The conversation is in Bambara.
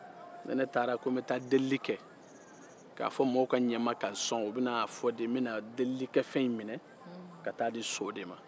ni ne taara ko n bɛ taa delili kɛ mɔgɔw b'a fɔ ko min taa fɛn di so de ma